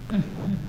Un